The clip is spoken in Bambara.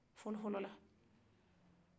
fɔlɔfɔlɔla